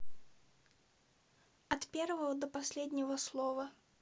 от первого до последнего слова